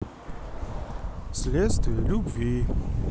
следствие любви